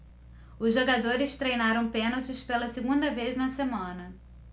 os jogadores treinaram pênaltis pela segunda vez na semana